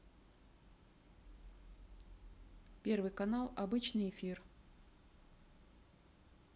первый канал обычный эфир